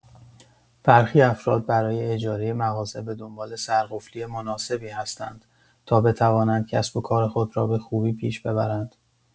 برخی افراد برای اجاره مغازه به دنبال سرقفلی مناسبی هستند تا بتوانند کسب و کار خود را به خوبی پیش ببرند.